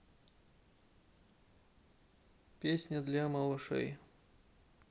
песня для малышей